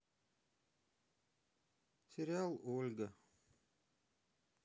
сериал ольга